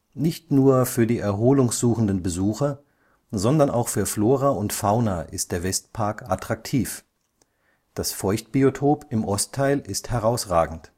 Nicht nur für die erholungssuchenden Besucher, sondern auch für Flora und Fauna ist der Westpark attraktiv, das Feuchtbiotop im Ostteil ist herausragend